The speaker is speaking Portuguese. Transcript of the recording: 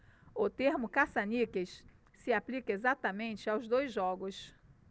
o termo caça-níqueis se aplica exatamente aos dois jogos